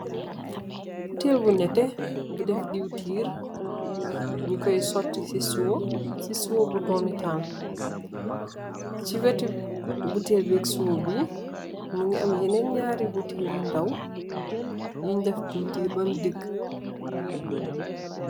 Butel bu nétte, bu def diwtiir, ñu Koy sooti si siwo, siwo bu döom taal. Si wetti butel bi ak siwo bi, mu ngi am yenen ñaari butel yu ndaw, yuñg def diwtiir bam diggë.